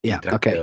Ie ocê.